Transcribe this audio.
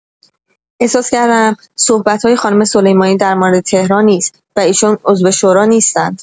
احساس کردم صحبت‌های خانم سلیمانی در مورد تهران نیست و ایشان عضو شورا نیستند.